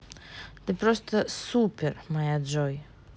ты просто супер моя джой